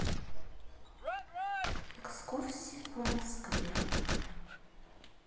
экскурсии по москве